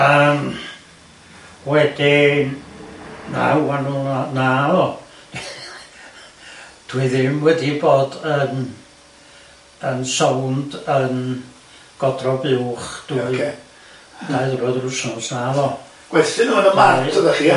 Yym wedyn na wanwl na- na . Dwi ddim wedi bod yn yn sownd yn godro buwch dwy... Ocê... Dau ddiwrnod yr wsos naddo.. Gwerthu n'w oedd yn y mart oeddach chi ia?